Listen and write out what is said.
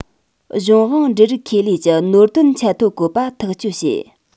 གཞུང དབང འབྲུ རིགས ཁེ ལས ཀྱི ནོར དོན ཆད ཐོ བཀོད པ ཐག གཅོད བྱེད